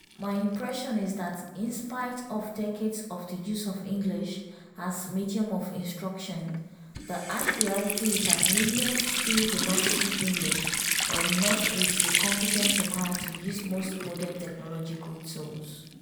My impression is that in spite of decades of the use of English as the medium of instruction, the harsh reality is that millions still do not speak English or not with the competence required to use most modern technological tools.